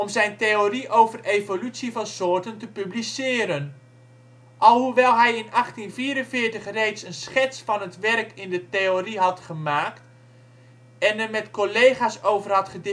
zijn theorie over evolutie van soorten te publiceren. Alhoewel hij in 1844 reeds een schets van het werk en de theorie had gemaakt en er met collega 's over